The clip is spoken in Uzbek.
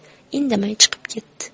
indamay chiqib ketdi